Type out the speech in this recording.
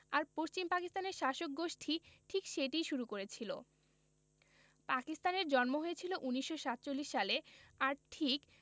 আর পশ্চিম পাকিস্তানের শাসক গোষ্ঠী ঠিক সেটিই শুরু করেছিল পাকিস্তানের জন্ম হয়েছিল ১৯৪৭ সালে আর ঠিক